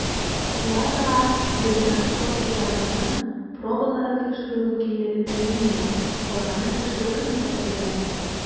WADAга безнең спортчыларыбызның пробаларын тикшерү мөмкинлеген дә бирмиләр - аларны Тикшерү комитеты өйрәнә.